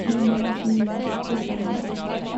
Noen dager sol, og litt regn og, ja.